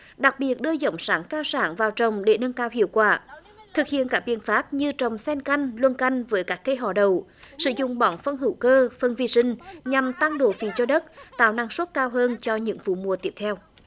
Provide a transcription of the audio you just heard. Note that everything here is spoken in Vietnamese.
đặc biệt đưa giống sắn cao sản vào trồng để nâng cao hiệu quả thực hiện các biện pháp như trồng xen canh luân canh với các cây họ đậu sử dụng bón phân hữu cơ phân vi sinh nhằm tăng độ phì cho đất tạo năng suất cao hơn cho những vụ mùa tiếp theo